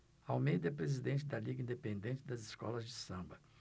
almeida é presidente da liga independente das escolas de samba